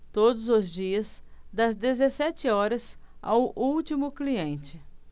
todos os dias das dezessete horas ao último cliente